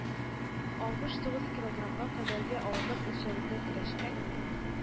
Алмыш тугыз килограммга кадәрге авырлык үлчәвендә көрәшкән.